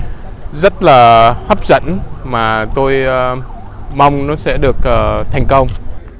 rất là hấp dẫn mà tôi mong nó sẽ được ờ thành công